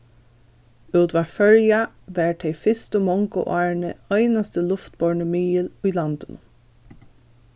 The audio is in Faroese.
útvarp føroya var tey fyrstu mongu árini einasti luftborni miðil í landinum